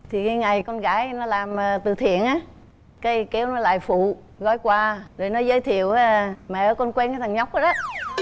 thì cái ngày con gái nó làm từ thiện á cái kêu nó lại phụ gói quà rồi nó giới thiệu mẹ ơi con quen cái thằng nhóc đó đó